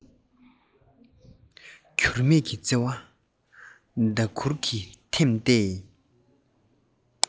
འགྱུར མེད ཀྱི བརྩེ བ ཟླ གུར ལ འཐིམས ཏེ